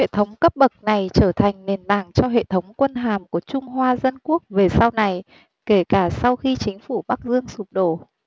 thống cấp bậc này trở thành nên tảng cho hệ thống quân hàm của trung hoa dân quốc về sau này kể cả sau khi chính phủ bắc dương sụp đổ